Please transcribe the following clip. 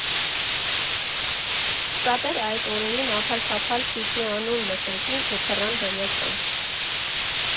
Շատերն այդ օրերին ափալ֊թափալ ցույցի անուն լսեցին ու թռան Հայաստան.